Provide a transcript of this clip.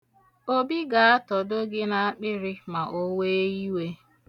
Obi ga-atọdo gị n'akpịrị ma o wee iwe.